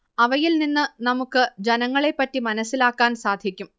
അവയിൽ നിന്ന് നമുക്ക് ജനങ്ങളെ പറ്റി മനസ്സിലാക്കാൻ സാധിക്കും